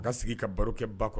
N ka sigi ka barokɛ ba kɔnɔ